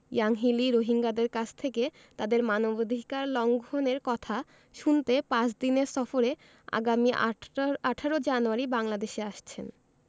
Yanghee Lee রোহিঙ্গাদের কাছ থেকে তাদের মানবাধিকার লঙ্ঘনের কথা শুনতে পাঁচ দিনের সফরে আগামী আটা ১৮ জানুয়ারি বাংলাদেশে আসছেন